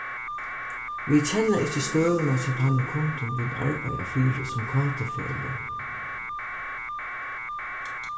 vit kenna ikki støðuna hjá teimum kundum vit arbeiða fyri sum kt-feløg